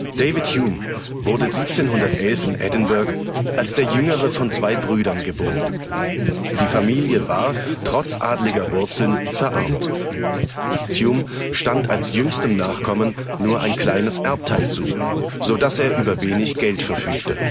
David Hume wurde 1711 in Edinburgh als der jüngere von zwei Brüdern geboren. Die Familie war, trotz adeliger Wurzeln, verarmt. Hume stand als jüngstem Nachkommen nur ein kleines Erbteil zu, so dass er über wenig Geld verfügte